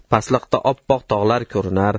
pastlikda oppoq tog'lar ko'rinar